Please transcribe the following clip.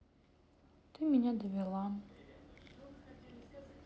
ты меня довела